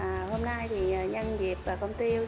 à hôm nay thì nhân dịp công ty